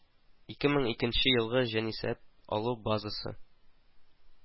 Ике мең икенче елгы җанисәп алу базасы